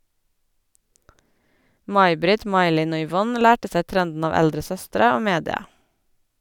May Britt, May Linn og Yvonne lærte seg trenden av eldre søstre og media.